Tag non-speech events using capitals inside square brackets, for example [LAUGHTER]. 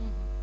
[HESITATION] [HESITATION]